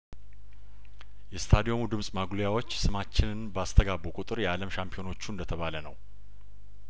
የስታዲየሙ ድምጽ ማጉ ልያዎች ስማችንን ባስተጋቡ ቁጥር የአለም ሻምፒዮ ኖቹ እንደተባለነው